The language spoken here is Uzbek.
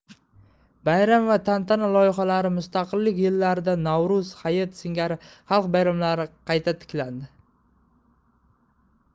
bayram va tantana loyihalari mustaqillik yillarida navro'z hayit singari xalq bayramlari qayta tiklandi